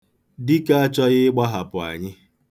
Dike achọghị ịgbahapụ anyị.